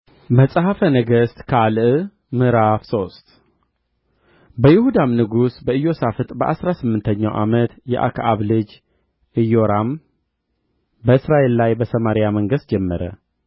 ከዱርም ሁለት ድቦች ወጥተው ከብላቴኖች አርባ ሁለቱን ሰባበሩአቸው ከዚያም ወደ ቀርሜሎስ ተራራ ሄደ ከዚያም ወደ ሰማርያ ተመለሰ